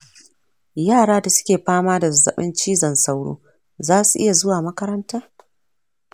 yara da suke pama da zazzaɓin cizon sauro zasu iya zuwa makaranta?